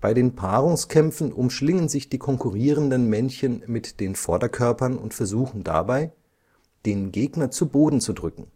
den Paarungskämpfen umschlingen sich die konkurrierenden Männchen mit den Vorderkörpern und versuchen dabei, den Gegner zu Boden zu drücken